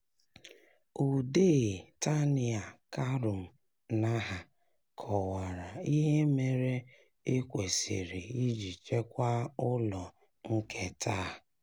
Odee Tania Kamrun Nahar kọwara ihe mere e kwesịrị iji chekwaa ụlọ nketa a: